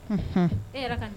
Un